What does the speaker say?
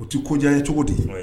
O tɛ ko diyan ye cogo di?